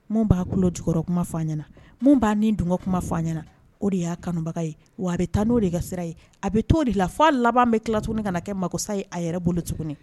Min b'a kulojukɔrɔkuma f'a ɲɛna min b'a ni dungɔ kuma f'a ɲɛna o de y'a kanubaga ye wa a bɛ taa n'o de ka sira ye a bɛ to o de la fɔ a laban bɛ tilala tun kana kɛ mako sa ye a yɛrɛ bolo tuguni.